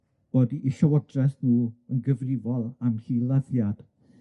bod 'u llywodreth nw yn gyfrifol am hil-laddiad.